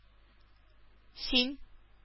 Син